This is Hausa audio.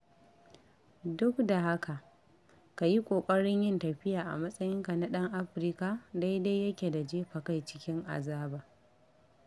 Duk da haka, ka yi ƙoƙarin yin tafiya a matsayinka na ɗan Afirka daidai yake da jefa kai cikin azaba.